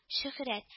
Шөһрәт